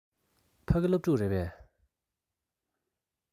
ཕ གི སློབ ཕྲུག རེད པས